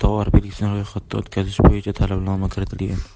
tovar belgisini ro'yxatdan o'tkazish bo'yicha talabnoma kiritilgan